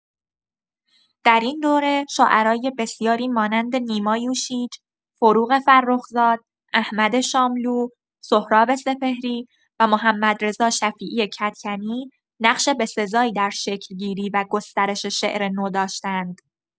در این دوره، شعرای بسیاری مانند نیما یوشیج، فروغ فرخزاد، احمد شاملو، سهراب سپهری، و محمدرضا شفیعی کدکنی، نقش به‌سزایی در شکل‌گیری و گسترش شعر نو داشتند.